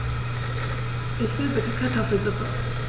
Ich will bitte Kartoffelsuppe.